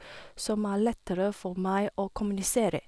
Som er lettere for meg å kommunisere.